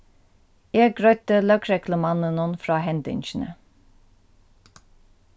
eg greiddi løgreglumanninum frá hendingini